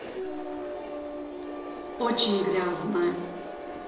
очень грязно